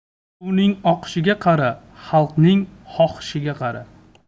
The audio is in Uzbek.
suvning oqishiga qara xalqning xohishiga qara